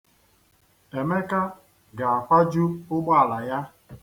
Emeka ga-akwaju ụgbọala ya.